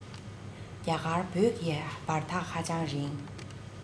རྒྱ གར བོད ཀྱི བར ཐག ཧ ཅང རིང